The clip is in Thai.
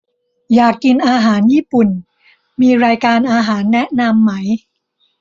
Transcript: อยากกินอาหารญี่ปุ่นมีรายการอาหารแนะนำไหม